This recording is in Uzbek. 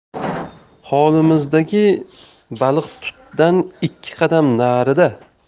hovlimizdagi baliqtutdan ikki qadam narida